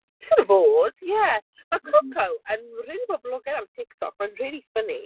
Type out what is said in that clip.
Siŵr o fod ie. Ma' Coco yn rili boblogaidd ar TikTok, mae'n rili ffyni.